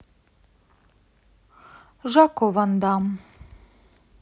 жако ван дам